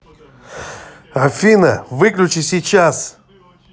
афина выключи сейчас